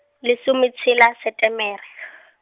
lesometshela Setemere.